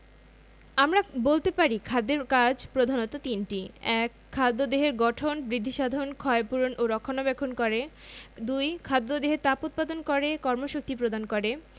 আমরা বলতে পারি খাদ্যের কাজ প্রধানত তিনটি ১. খাদ্য দেহের গঠন বৃদ্ধিসাধন ক্ষয়পূরণ ও রক্ষণাবেক্ষণ করে ২. খাদ্য দেহে তাপ উৎপাদন করে কর্মশক্তি প্রদান করে